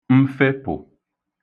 mfepụ̀